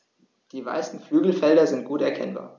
Die weißen Flügelfelder sind gut erkennbar.